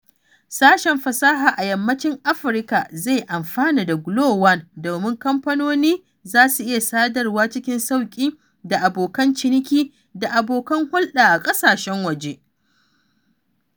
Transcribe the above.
Sashen fasaha a Yammacin Afirka zai amfana da Glo-1 domin kamfanoni za su iya sadarwa cikin sauƙi da abokan ciniki da abokan hulɗa a ƙasashen waje.